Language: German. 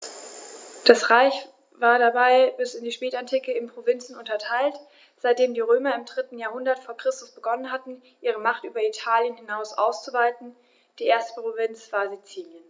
Das Reich war dabei bis in die Spätantike in Provinzen unterteilt, seitdem die Römer im 3. Jahrhundert vor Christus begonnen hatten, ihre Macht über Italien hinaus auszuweiten (die erste Provinz war Sizilien).